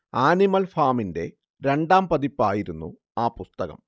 animal ഫാമിന്റെ രണ്ടാം പതിപ്പായിരുന്നു ആ പുസ്തകം